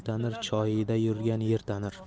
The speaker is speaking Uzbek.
choida yurgan yer tanir